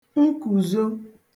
nkùzo